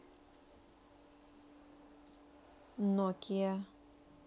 nokia